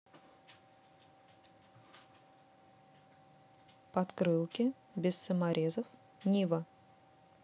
подкрылки без саморезов нива